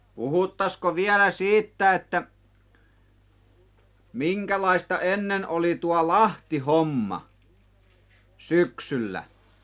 puhuttaisiinko vielä siitä että minkälaista ennen oli tuo lahtihomma syksyllä